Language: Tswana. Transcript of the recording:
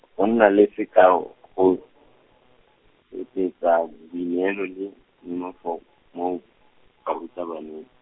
go nna le sekao , go etleetsa boineelo le nonofo mo barutabaneng.